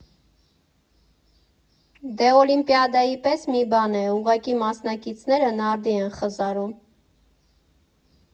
Դե՛, Օլիմպիադայի պես մի բան է, ուղղակի մասնակիցները նարդի են խզարում։